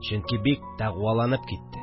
Чөнки бик тәкъвәләнеп китте